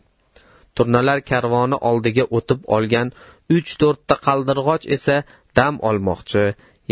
turnalar karvoni oldiga o'tib olgan uch to'rtta qaldirg'och esa dam olmoqchi